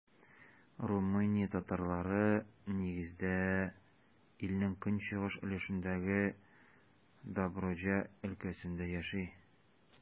Румыния татарлары, нигездә, илнең көнчыгыш өлешендәге Добруҗа өлкәсендә яши.